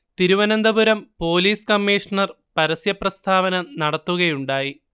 Thiruvananthapuram police commissioner പരസ്യപ്രസ്താവന നടത്തുകയുണ്ടായി